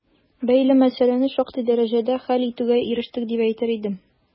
Бәйле мәсьәләне шактый дәрәҗәдә хәл итүгә ирештек, дип әйтер идем.